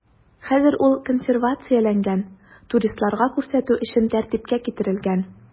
Хәзер ул консервацияләнгән, туристларга күрсәтү өчен тәртипкә китерелгән.